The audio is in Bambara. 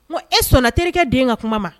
Bon e sɔnna terikɛ den ka kuma ma